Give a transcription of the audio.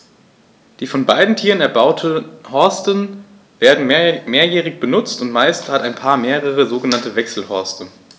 Die von beiden Tieren erbauten Horste werden mehrjährig benutzt, und meist hat ein Paar mehrere sogenannte Wechselhorste.